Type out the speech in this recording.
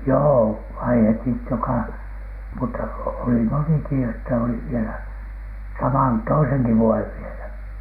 joo vaihdettiin joka mutta oli monikin että oli vielä saman toisenkin vuoden vielä